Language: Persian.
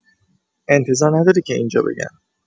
انتظار نداری که اینجا بگم